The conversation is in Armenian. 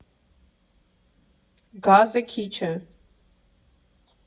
Գազը քիչ է։